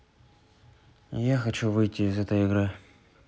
я хочу выйти из этой игры